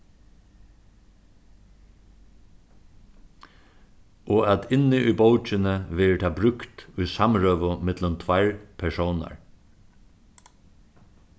og at inni í bókini verður tað brúkt í samrøðu millum tveir persónar